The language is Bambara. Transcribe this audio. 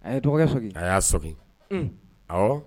A ye dɔgɔ a y'a sɔrɔ a